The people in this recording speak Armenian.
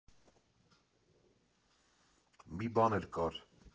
Մի բան էլ կար.